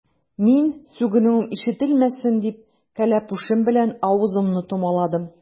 Мин, сүгенүем ишетелмәсен дип, кәләпүшем белән авызымны томаладым.